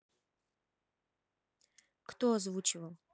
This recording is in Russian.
кто озвучивал